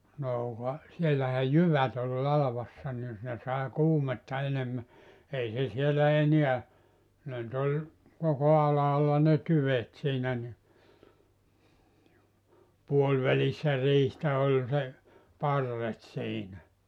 no ka siellähän jyvät oli latvassa niin ne sai kuumetta enemmän ei se siellä enää ne nyt oli koko alhaalla ne tyvet siinä niin puolivälissä riihtä oli se parret siinä